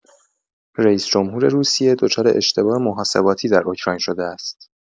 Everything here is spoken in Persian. رییس‌جمهور روسیه دچار اشتباه محاسباتی در اوکراین شده است.